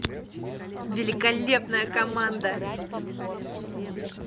великолепная команда